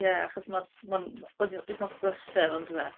Ie, achos ma' mae'n mae'n wythnos brysur, ondife?